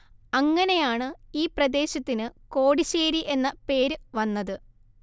അങ്ങനെയാണ് ഈ പ്രദേശത്തിന് കോടിശ്ശേരി എന്ന പേര് വന്നത്